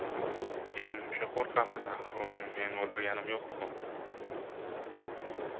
keyin muncha qurqaman axir uni meni uldirganim yuk ku